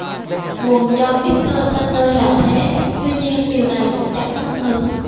buồn cho mr turner là thế tuy nhiên điều này cũng chẳng bất ngờ